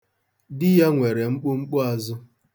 Di ya nwere mkpumkpuazụ.